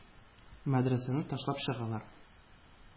Мәдрәсәне ташлап чыгалар.